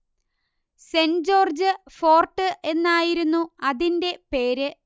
saint George Fort എന്നായിരുന്നു അതിന്റെ പേര്